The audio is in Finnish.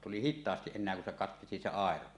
tuli hitaasti enää kun se katkesi se airo